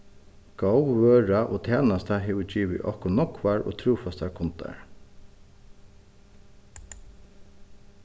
góð vøra og tænasta hevur givið okkum nógvar og trúfastar kundar